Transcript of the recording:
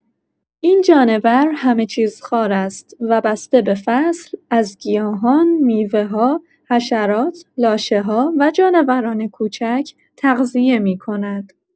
این جانور همه‌چیزخوار است و بسته به فصل از گیاهان، میوه‌ها، حشرات، لاشه‌ها و جانوران کوچک تغذیه می‌کند.